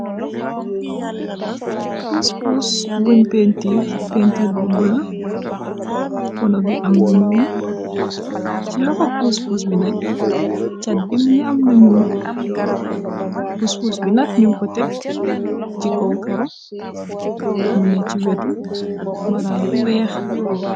Poos poos buñ pentir, pentiir bu bula, pono bi am lu nyul. Ci loxo poos poos bi nak jat bi mun ngi am lu nyul. Poos poos bi nak nyuko teg ci kaw karo muné ci wetu maraaj bu weex.